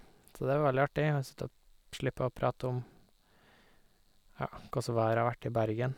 Så det var veldig artig, å sitte og slippe å prate om, ja, koss vær det har vært i Bergen.